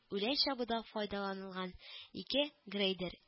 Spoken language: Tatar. Үлән чабуда файдаланылган ике грейдер